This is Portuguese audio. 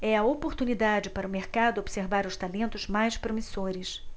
é a oportunidade para o mercado observar os talentos mais promissores